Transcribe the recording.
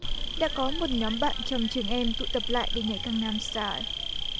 đã có một nhóm bạn trong trường em tụ tập lại để nhảy cang nam sờ tai